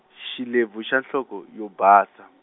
xilebvu xa nhloko, yo basa.